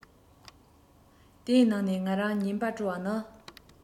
དེའི ནང ནས ང རང ཉན པ སྤྲོ བ ནི